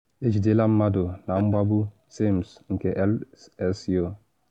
Ejidela mmadụ na mgbagbụ Sims nke LSU